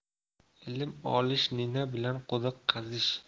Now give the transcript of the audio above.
ilm olish nina bilan quduq qazish